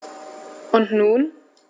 Und nun?